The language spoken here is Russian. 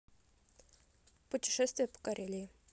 путешествие по карелии